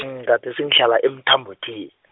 gadesi ngihlala eMthambothini.